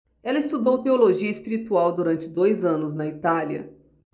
ela estudou teologia espiritual durante dois anos na itália